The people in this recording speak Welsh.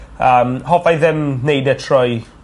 yym hoffai ddim neud e trwy